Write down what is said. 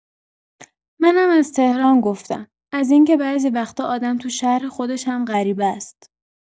منم از تهران گفتم، از اینکه بعضی وقتا آدم تو شهر خودش هم غریبه‌ست.